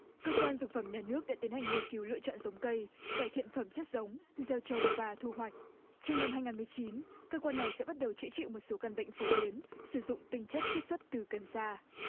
cơ quan dược phẩm nhà nước đã tiến hành nghiên cứu lựa chọn giống cây cải thiện phẩm chất giống gieo trồng và thu hoạch trong năm hai ngàn mười chín cơ quan này sẽ bắt đầu chữa trị một số căn bệnh phổ biến sử dụng tinh chất chiết xuất từ cần sa